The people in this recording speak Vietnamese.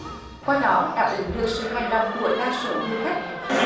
qua đó đáp ứng được sự hài lòng của đa số du khách